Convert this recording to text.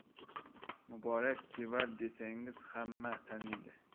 muborak chevar desangiz hamma taniydi